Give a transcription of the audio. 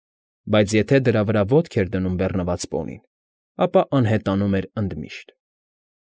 Բայց եթե դրա վրա ոտք էր դնում բեռնված պոնին, ապա անհետանում էր ընդմիշտ։